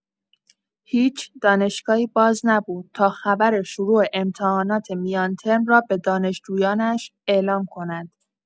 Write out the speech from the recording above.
هیچ دانشگاهی باز نبود تا خبر شروع امتحانات میان‌ترم را به دانشجویانش اعلام کند.